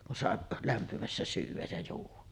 kun sai lämpimässä syödä ja juoda